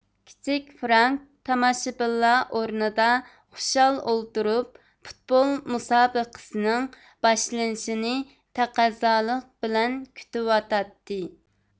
كىچىك فرانك تاماشىبىنلار ئورنىدا خۇشال ئولتۇرۇپ پۇتبول مۇسابىقىسىنىڭ باشلىنىشىنى تەقەززالىق بىلەن كۈتۈۋاتاتتى